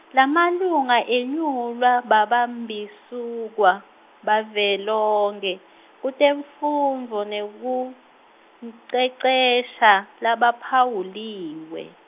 Lamalunga enyulwa babambimsuka, bavelonkhe, kutemfundvo nekucecesha, labaphawuliwe.